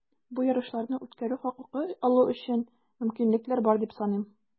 Бу ярышларны үткәрү хокукы алу өчен мөмкинлекләр бар, дип саныйм.